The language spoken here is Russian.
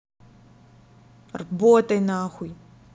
работай нахуй